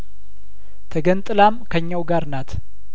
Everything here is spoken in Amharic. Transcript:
ተገንጥላም ከእኛው ጋርናት